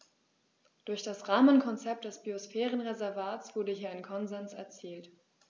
Durch das Rahmenkonzept des Biosphärenreservates wurde hier ein Konsens erzielt.